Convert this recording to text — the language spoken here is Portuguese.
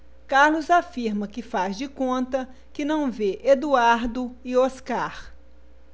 carlos afirma que faz de conta que não vê eduardo e oscar